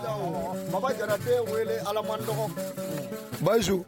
Baba jara wele maz